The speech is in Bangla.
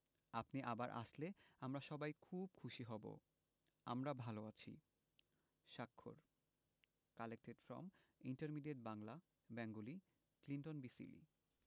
আপনি আবার আসলে আমরা সবাই খুব খুশি হব আমরা ভালো আছি স্বাক্ষর collected from intermediate Bangla Bengali Clinton B Seely